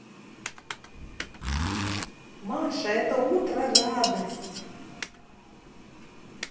маша это утро радость